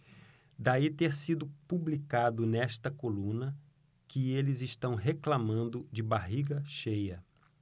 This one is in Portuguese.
daí ter sido publicado nesta coluna que eles reclamando de barriga cheia